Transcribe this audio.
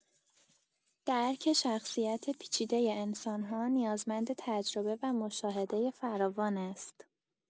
درک شخصیت پیچیدۀ انسان‌ها نیازمند تجربه و مشاهده فراوان است.